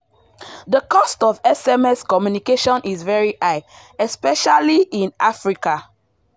The cost of SMS communication is very high, especially in Africa.